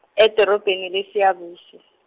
edorobheni leSiyabuswa.